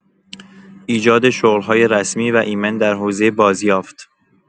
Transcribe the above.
ایجاد شغل‌های رسمی و ایمن در حوزه بازیافت